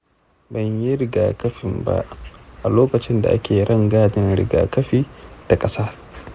ban yi rigakafin ba a lokacin da ake yin rangadin riga kafi ta ƙasa.